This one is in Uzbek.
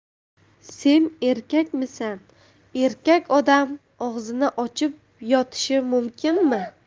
sen erkakmisan erkak odam og'zini ochib yotishi mumkinmi